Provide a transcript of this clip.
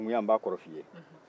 sinakunya n b'a kɔrɔ f'i ye